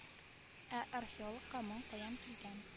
Ә археологка моң каян килгән